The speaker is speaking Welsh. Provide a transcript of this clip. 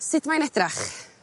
Sut mae'n edrach?